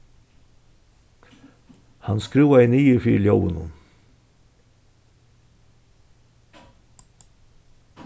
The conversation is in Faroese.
hann skrúvaði niður fyri ljóðinum